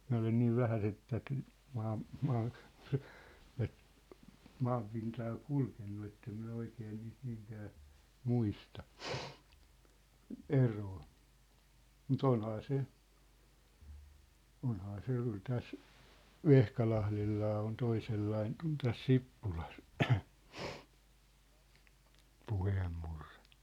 minä olen niin vähäisen tätä -- tätä maanpintaa kulkenut että en minä oikein niistä niinkään muista eroa mutta onhan se onhan se ja kyllä tässä Vehkalahdellakin on toisenlainen kuin tässä Sippulassa puheenmurre